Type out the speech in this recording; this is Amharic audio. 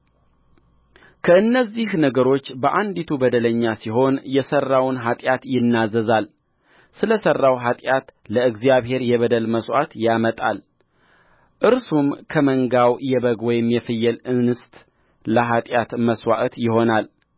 ከእነዚህ ነገሮች በአንዲቱ በደለኛ ሲሆን የሠራውን ኃጢአት ይናዘዛልስለ ሠራው ኃጢአት ለእግዚአብሔር የበደል መሥዋዕት ያመጣል እርሱም ከመንጋው የበግ ወይም የፍየል እንስት ለኃጢአት መሥዋዕት ይሆናል